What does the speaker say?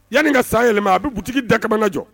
Yanni ka san yɛlɛma a bɛ bu daka kajɔ